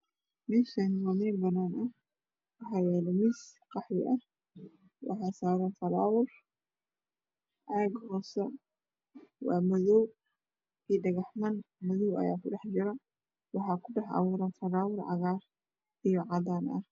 Meshan waa mel banan ah waxa yalo mis oo qahwi ah waxa saran falawar caag hose waa madoow waxa kudhex abuuran falawar oo cadan ah io cagar